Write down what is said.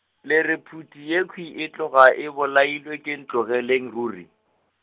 le re phuti yekhwi e tloga e bolailwe ke Ntlogeleng ruri.